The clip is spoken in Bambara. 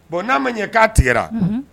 Bon n'a ma ɲɛ k'a tigɛ